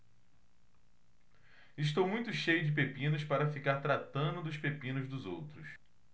estou muito cheio de pepinos para ficar tratando dos pepinos dos outros